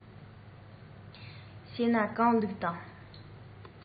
བྱས ན གང བླུགས དང